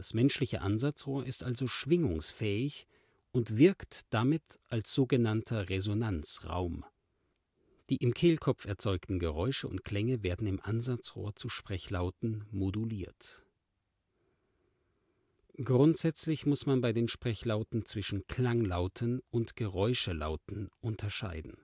menschliche Ansatzrohr ist also schwingungsfähig und wirkt damit als so genannter Resonanzraum. Die im Kehlkopf erzeugten Geräusche und Klänge werden im Ansatzrohr zu Sprechlauten moduliert. Grundsätzlich muss man bei den Sprechlauten zwischen Klanglauten und Geräuschelauten unterscheiden